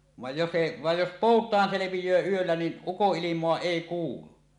vaan jos se vaan jos poutaan selviää yöllä niin ukonilmaa ei kuulu